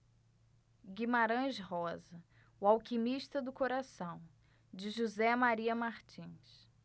guimarães rosa o alquimista do coração de josé maria martins